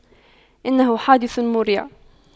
إنه حادث مريع